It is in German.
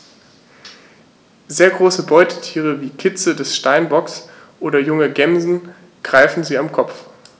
Sehr große Beutetiere wie Kitze des Steinbocks oder junge Gämsen greifen sie am Kopf.